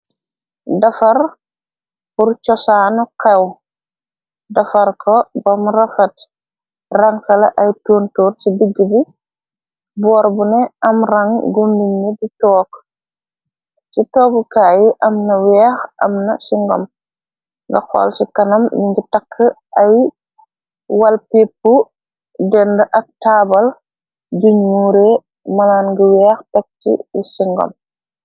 Dafar bur cosaanu xew. Dafar ko bamu rafat rangsala ay tuntur ci digg bi boor bu ne am rang gunduñ ni di took ci toogukaay yi am na weex amna si ngom nga xol ci kanam lingi takk ay wal pipp dend ak taabal juñuuree mënan gi weex pekt si ngom.